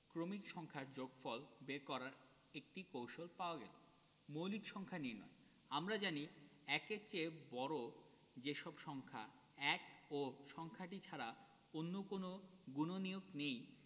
ক্রমিক সংখ্যার যোগফল বের করার একটি কৌশল পাওয়া গেল মৌলিক সংখ্যা নির্ণয় আমরা জানি যে ১এর চেয়ে বড় যে সব সংখ্যা ১ ও সংখ্যাটি ছাড়া অন্য কোনো গুণনীয়ক নেই